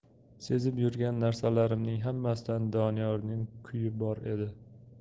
sezib yurgan narsalarimning hammasidan doniyorning kuyi bor edi